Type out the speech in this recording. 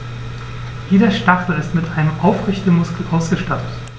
Jeder Stachel ist mit einem Aufrichtemuskel ausgestattet.